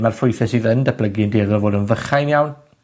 ma'r ffrwythe sydd yn datblygu yn dueddol o fod yn fychain iawn.